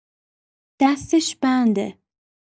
دستش بنده.